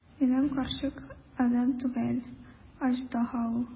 Минем карчык адәм түгел, аждаһа ул!